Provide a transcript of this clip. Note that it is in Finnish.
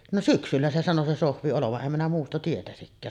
no syksyllä se sanoi se Sohvi olevan en minä muusta tietäisikään